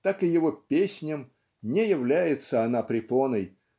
так и его песням не является она препоной